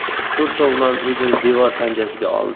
sezib to'rtovlon o'zini devor panasiga oldi